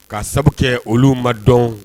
Ka sabu kɛ olu ma dɔn